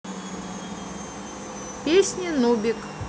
песни нубик